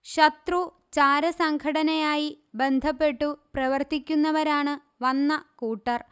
ശത്രു ചാര സംഘടനയായി ബന്ധപ്പെട്ടു പ്രവർത്തിക്കുന്നവരാണ് വന്ന കൂട്ടർ